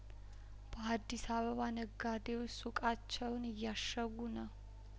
በሀዲስ አበባ ነጋዴዎች ሱቃቸውን እያሸ ጉ ነው